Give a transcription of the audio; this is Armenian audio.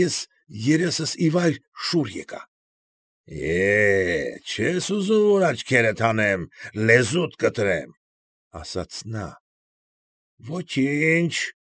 Ես երես ի վայր շուռ եկա։ ֊ Էէ, չե՞ս ուզում որ աչքերդ հանեմ, լեզուդ կտրեմ,֊ ասաց նա,֊ ոչինչ։